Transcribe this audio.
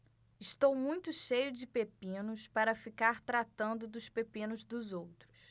estou muito cheio de pepinos para ficar tratando dos pepinos dos outros